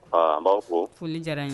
Aa b'a fɔ foli diyara in